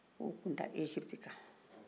k'u kunda egypte kan